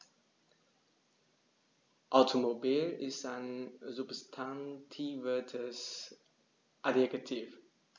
Automobil ist ein substantiviertes Adjektiv.